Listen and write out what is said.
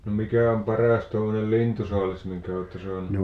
no mikä on paras tuommoinen lintusaalis minkä olette saanut